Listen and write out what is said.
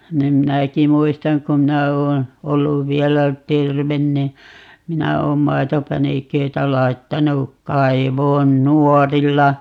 niin minäkin muistan kun minä olen ollut vielä terve niin minä olen maitopäniköitä laittanut kaivoon nuorilla